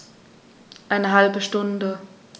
Eine halbe Stunde